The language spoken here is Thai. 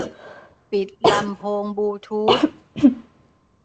ปิดลำโพงบลูทูธ